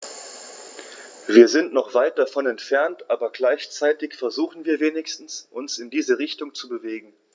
Wir sind noch weit davon entfernt, aber gleichzeitig versuchen wir wenigstens, uns in diese Richtung zu bewegen.